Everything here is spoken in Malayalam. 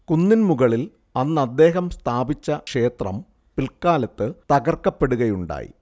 കുന്നിൻ മുകളിൽ അന്നദ്ദേഹം സ്ഥാപിച്ച ക്ഷേത്രം പിൽകാലത്ത് തകർക്കപ്പെടുകയുണ്ടായി